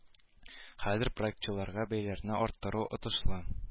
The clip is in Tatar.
Хәзер проектчыларга бәяләрне арттыру отышлы